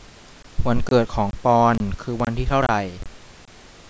วันเกิดของปอนด์คือวันที่เท่าไร